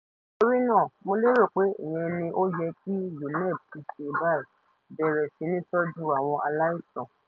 Torí náà mo lérò pé ìyẹn ni ó yẹ́ kí UNEP ti ṣe báyìí: bẹ̀rẹ̀ sí ní tọ́jú àwọn aláìsàn.